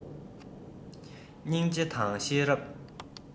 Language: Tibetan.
སྙིང རྗེ དང ཤེས རབ